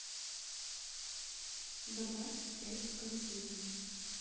добавь пять в корзину